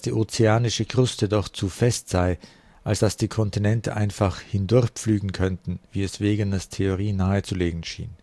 ozeanische Kruste doch zu fest sei, als dass die Kontinente einfach „ hindurchpflügen “könnten, wie es Wegeners Theorie nahe zu legen schien